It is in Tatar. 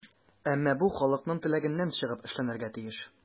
Әмма бу халыкның теләгеннән чыгып эшләнергә тиеш.